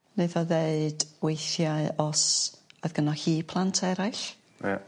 Neith o ddeud weithiau os oedd gynno hi plant eraill. Ie.